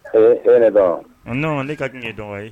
Ee ye ne don wa? non ne ka kan k'i don wayi.